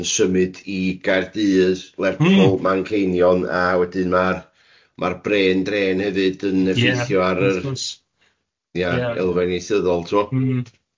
yn symud i Gaerdydd, Lerpwl, Manceinion a wedyn ma'r, ma'r 'brên drên' hefyd yn effeithio ar yr... Wrth gwrs... Ia, elfen ieithyddol t'mo... M-hm.